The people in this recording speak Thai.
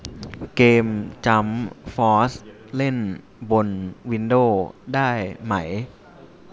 เกมจั้มฟอสเล่นบนวินโด้ได้ไหม